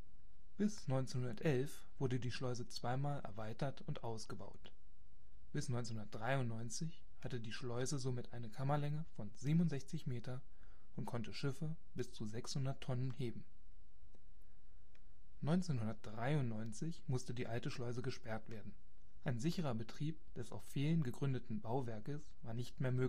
Bis 1911 wurde die Schleuse zwei mal erweitert und ausgebaut. Bis 1993 hatte die Schleuse somit eine Kammerlänge von 67 m und konnte Schiffe bis zu 600 t heben. 1993 musste die alte Schleuse gesperrt werden. Ein sicherer Betrieb des auf Pfählen gegründeten Bauwerkes war nicht mehr möglich